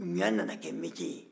numuya nana kɛ baarada ye